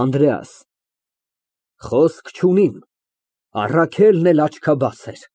ԱՆԴՐԵԱՍ ֊ Խոսք չունիմ, Առաքելն էլ աչքաբաց էր։